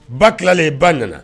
Ba tilalen ba nana